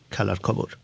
খেলার খবর